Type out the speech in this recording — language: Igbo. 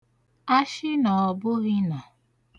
ashị n'ọ̀bụghị̄ nà